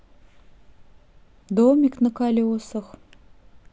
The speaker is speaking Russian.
домик на колесах